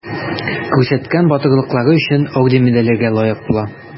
Күрсәткән батырлыклары өчен орден-медальләргә лаек була.